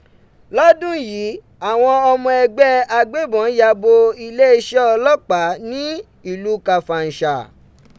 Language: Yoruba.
Lọdun yìí, awọn ọmọ ẹgbẹ agbébọn yabo ileeṣẹ ọlọpaa ni ilu Kàfàǹṣà.